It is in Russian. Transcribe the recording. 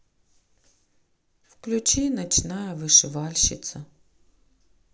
включи ночная вышивальщица